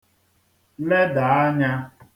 ledà anyā